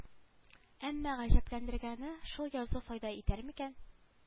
Әмма гаҗәпләндергәне шул язу файда итәр микән